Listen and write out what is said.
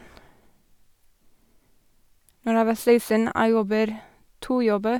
Når jeg var seksten, jeg jobber to jobber.